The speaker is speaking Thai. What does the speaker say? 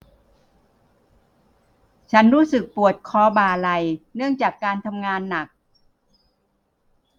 ฉันรู้สึกปวดคอบ่าไหล่เนื่องจากการทำงานหนัก